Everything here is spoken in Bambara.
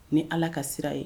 Ni Ala ka sira ye